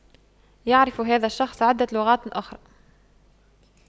يعرف هذا الشخص عدة لغات أخرى